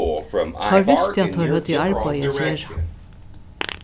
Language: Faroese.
teir vistu at teir høvdu arbeiði at gera